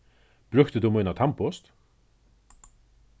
brúkti tú mína tannbust